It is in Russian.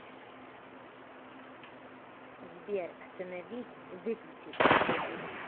сбер остановись и выключить